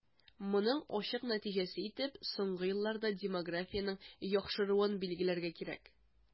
Моның ачык нәтиҗәсе итеп соңгы елларда демографиянең яхшыруын билгеләргә кирәк.